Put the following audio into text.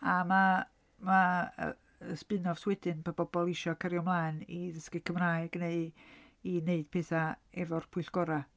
A ma' ma' yy y spinoffs wedyn bod bobl isio cario mlaen i ddysgu Cymraeg, neu i wneud petha efo'r pwyllgorau.